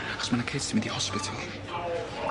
Achos ma' 'na kids 'di mynd i hospital.